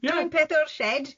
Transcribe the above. Yeah... Dwyn peth o'r sied